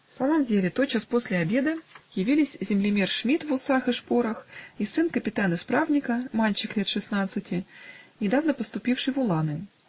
В самом деле, тотчас после обеда явились землемер Шмит в усах и шпорах, и сын капитан-исправника, мальчик лет шестнадцати, недавно поступивший в уланы.